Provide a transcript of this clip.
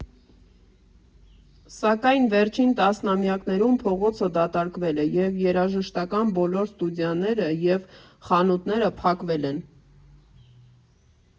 Սակայն վերջին տասնամյակներում փողոցը դատարկվել է, և երաժշտական բոլոր ստուդիաները և խանութները փակվել են։